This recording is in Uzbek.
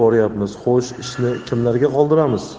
boryapmiz xo'sh ishni kimlarga qoldiramiz